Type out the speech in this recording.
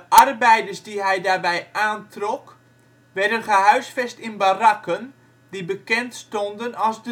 arbeiders die hij daarbij aantrok werden gehuisvest in barakken die bekend stonden als